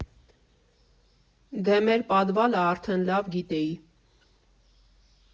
«Դե մեր պադվալը արդեն լավ գիտեի։